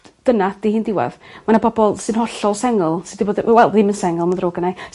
Dyna ydi hi'n diwadd. Ma' 'na pobol sy'n hollol sengl sy 'di fod yy wel ddim yn sengl ma'n ddrwg gennai